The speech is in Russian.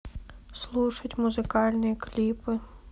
слушать музыкальные клипы